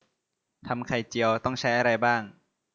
ทำไข่เจียวต้องใช้อะไรบ้าง